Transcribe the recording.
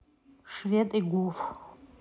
швед и гуф